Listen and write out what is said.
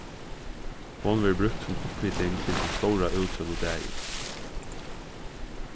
hon verður brúkt sum upphiting til tann stóra útsøludagin